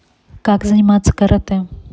как заниматься каратэ